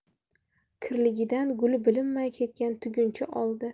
kirligidan guli bilinmay ketgan tuguncha oldi